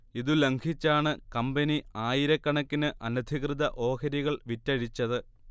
ഇതു ലംഘിച്ചാണ് കമ്പനി ആയിരക്കണക്കിന് അനധികൃത ഓഹരികൾ വിറ്റഴിച്ചത്